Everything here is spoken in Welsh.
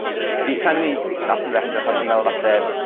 Fi sai myn' i darllen y rester achos fi'n meddwl falle